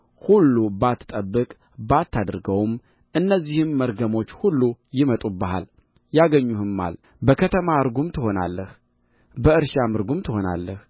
ሁሉ ባትጠብቅ ባታደርግም እነዚህ መርገሞች ሁሉ ይመጡብሃል ያገኙህማል በከተማ ርጉም ትሆናለህ በእርሻም ርጉም ትሆናለህ